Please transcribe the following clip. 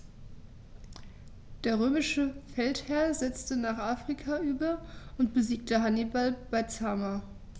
Der römische Feldherr setzte nach Afrika über und besiegte Hannibal bei Zama.